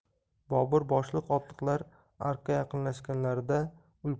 bobur boshliq otliqlar arkka yaqinlashganlarida ulkan